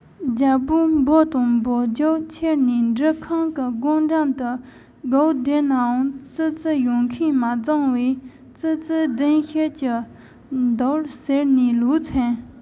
རྒྱལ པོས འབོ དང འབོ རྒྱུགས ཁྱེར ནས འབྲུ ཁང གི སྒོ འགྲམ དུ སྒུག བསྡད ནའང ཙི ཙི ཡོང མཁན མ བྱུང བས ཙི ཙིས རྫུན བཤད ཀྱི འདུག ཟེར ནས ལོག ཕྱིན